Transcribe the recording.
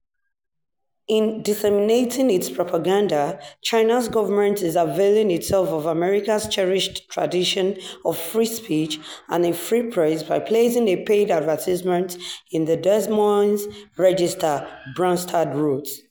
"In disseminating its propaganda, China's government is availing itself of America's cherished tradition of free speech and a free press by placing a paid advertisement in the Des Moines Register," Branstad wrote.